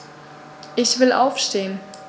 Ich will aufstehen.